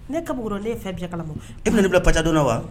Ne kab ne ye fɛn bila kala ma e bɛ ne bila pasa dɔn wa